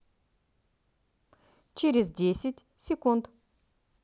через десять секунд